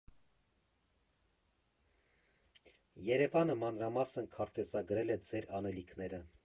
ԵՐԵՎԱՆը մանրամասն քարտեզագրել է ձեր անելիքները։